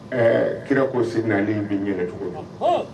Ɛɛ kira kosi nalen bɛi yɛrɛ cogo min